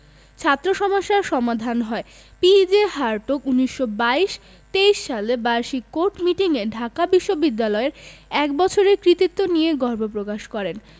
ছাত্র সমস্যার সমাধান হয় পি.জে হার্টগ ১৯২২ ২৩ সালে বার্ষিক কোর্ট মিটিং এ ঢাকা বিশ্ববিদ্যালয়ের এক বছরের কৃতিত্ব নিয়ে গর্ব প্রকাশ করেন